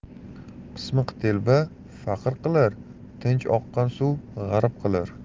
pismiq telba farq qilar tinch oqqan suv g'arq qilar